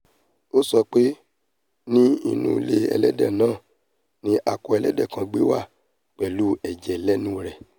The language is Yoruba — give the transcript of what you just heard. Ó sọ pé ní inú ilé ẹlẹ́dẹ náà ni akọ ẹlẹ́dẹ̀ kan gbé wá pẹ̀lú ẹ̀jẹ̀ lẹ́nu rẹ̀.